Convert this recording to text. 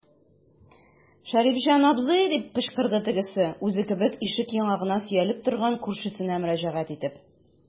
Шәрифҗан абзый, - дип кычкырды тегесе, үзе кебек ишек яңагына сөялеп торган күршесенә мөрәҗәгать итеп.